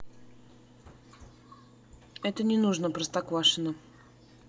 это не нужно простоквашино